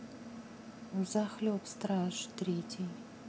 взахлеб страж третий